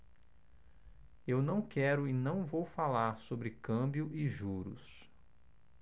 eu não quero e não vou falar sobre câmbio e juros